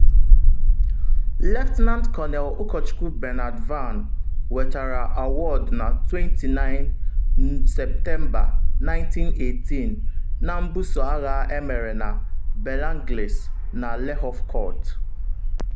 Lt Col Ụkọchukwu Bernard Vann nwetara awọdụ na 29, Septemba 1918 na mbuso agha emere na Bellenglise na Lehaucourt.